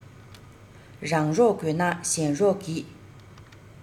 རང རོགས དགོས ན གཞན རོགས གྱིས